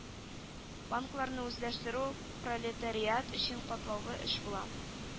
Банкларны үзләштерү пролетариат өчен катлаулы эш була